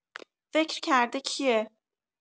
فکر کرده کیه؟